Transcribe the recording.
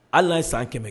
Hali na ye san 100 kɛ.